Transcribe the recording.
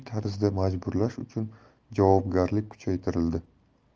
tarzda majburlash uchun javobgarlik kuchaytirildi